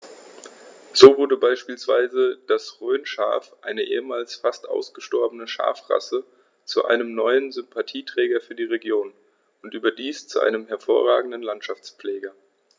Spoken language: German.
So wurde beispielsweise das Rhönschaf, eine ehemals fast ausgestorbene Schafrasse, zu einem neuen Sympathieträger für die Region – und überdies zu einem hervorragenden Landschaftspfleger.